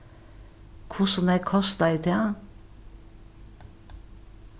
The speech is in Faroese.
hvussu nógv kostaði tað